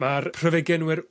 ma'r pryfe genwyr